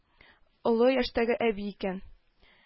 - олы яшьтәге әби икән